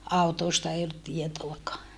autoista ei ollut tietoakaan